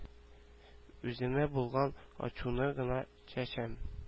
Үземә булган ачуны гына чәчәм